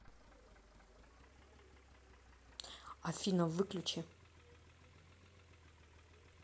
афина выключи